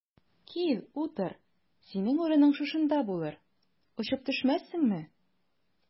Кил, утыр, синең урының шушында булыр, очып төшмәссеңме?